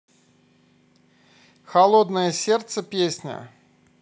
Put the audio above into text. холодное сердце песня